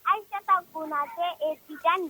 Aïssata Konaté et Tidiane